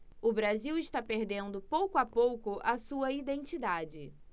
o brasil está perdendo pouco a pouco a sua identidade